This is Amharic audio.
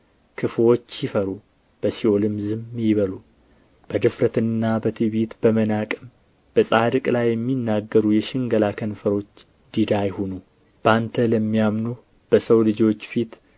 ክፉዎች ይፈሩ በሲኦልም ዝም ይበሉ በድፍረትና በትዕቢት በመናቅም በጻድቅ ላይ የሚናገሩ የሽንገላ ከንፈሮች ድዳ ይሁኑ በአንተ ለሚያምኑ በሰው ልጆች ፊት